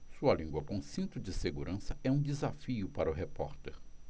sua língua com cinto de segurança é um desafio para o repórter